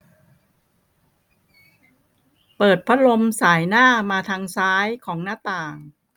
เปิดพัดลมส่ายหน้ามาทางซ้ายของหน้าต่าง